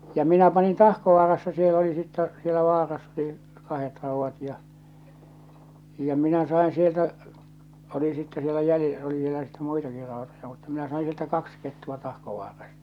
ja minä panin Tahkovaarassa siellä oli sitten siellä vaarassa oli kahdet raudat ja ja minä sain sieltä oli sitten siellä - oli vielä sitten muitakin rautoja mutta minä sain sieltä kaksi kettua Tahkovaarasta